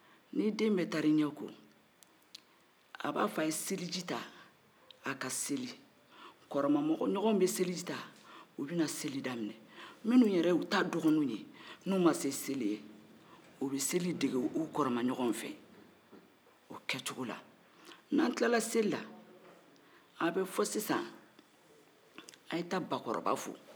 ni den bɛɛ taara i ɲɛ ko a b'a fo a ye seliji ta a ka seli kɔmamɔgɔ-ɲɔgɔw bɛ seliji ta u bɛna seli daminɛ minnu yɛrew ye u ta dɔgɔnuw n'u ma se seli ye o bɛ seli dege u kɔrɔmaɲɔgɔw fɛ o kɛcoko la n'an kilala seli la a bɛ fɔ sisa a ye bakɔrɔba fo